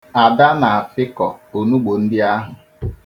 Ada na-afịkọ onugbu ndị ahụ.